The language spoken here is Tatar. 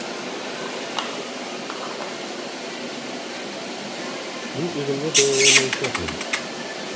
Мин үземне бәяләмәячәкмен.